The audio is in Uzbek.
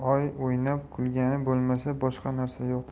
o'ynab kulgani bo'lmasa boshqa narsa yo'q